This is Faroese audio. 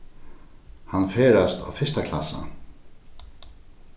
hann ferðast á fyrsta klassa